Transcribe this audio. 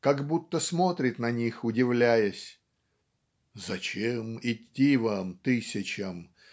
как будто смотрит на них удивляясь "Зачем идти вам тысячам